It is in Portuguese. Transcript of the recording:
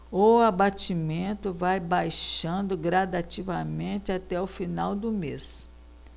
o abatimento vai baixando gradativamente até o final do mês